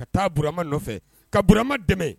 Ka taa burama nɔfɛ ka burama dɛmɛ